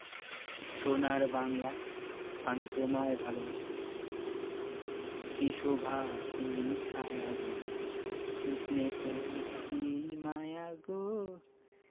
সোনার বাংলা আমি তোমায় ভালোবাসি কী শোভা কী ছায়া গো কী স্নেহ কী মায়া গো